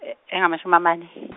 e- engamashumamane .